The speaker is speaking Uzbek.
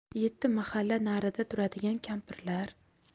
yetti mahalla narida turadigan kampirlar